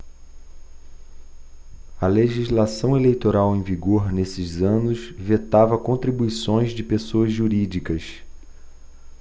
a legislação eleitoral em vigor nesses anos vetava contribuições de pessoas jurídicas